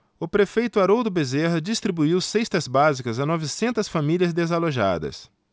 o prefeito haroldo bezerra distribuiu cestas básicas a novecentas famílias desalojadas